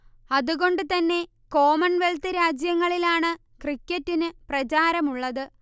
അതുകൊണ്ടുതന്നെ കോമൺവെൽത്ത് രാജ്യങ്ങളിലാണ് ക്രിക്കറ്റിനു പ്രചാരമുള്ളത്